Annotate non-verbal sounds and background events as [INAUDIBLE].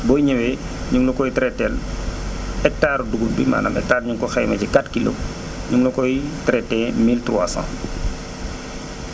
boo ñëwee [NOISE] ñu ngi la koy traité teel [NOISE] hectare ru dugub bi maanaam hectare ñu ngi ko xayma ci 4 kilos [NOISE] ñu ngi la koy traité 1300 [NOISE]